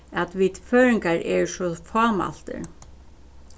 at vit føroyingar eru so fámæltir